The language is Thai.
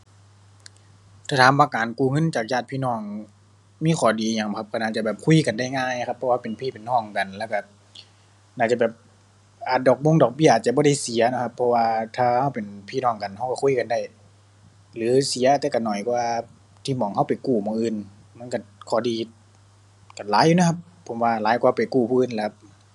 ถ้าถามว่าการกู้เงินจากญาติพี่น้องมีข้อดีอิหยังบ่ครับ ก็น่าจะแบบคุยกันได้ง่ายอะครับ เพราะว่าเป็นพี่เป็นน้องกันแล้วก็ น่าจะแบบ อ่า ดอกบงดอกเบี้ยอาจจะบ่ได้เสียเนาะครับ เพราะว่าถ้าก็เป็นพี่น้องกันก็ก็คุยกันได้ หรือเสียแต่ก็น้อยกว่าที่หม้องก็ไปกู้หม้องอื่นมันก็ ข้อดี ก็หลายอยู่นะครับ ผมว่าหลายกว่าไปกู้ผู้อื่นแหละครับ